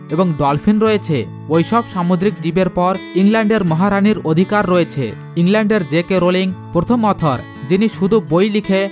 এবং ডলফিন রয়েছে ওসব সামুদ্রিক জীবের পর ইংল্যান্ডের মহারানীর অধিকার রয়েছে ইংল্যান্ডের জে কে রাউলিং প্রথম অথার যিনি শুধু বই লিখে